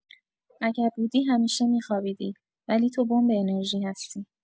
اگر بودی، همیشه می‌خوابیدی، ولی تو بمب انرژی هستی.